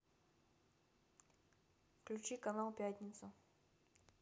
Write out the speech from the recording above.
включи канал пятница